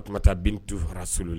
O kuma taa bintu farara solon la